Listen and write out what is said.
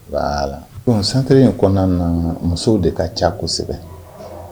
Voilà bon centre in kɔnɔna na musow de ka ca kosɛbɛ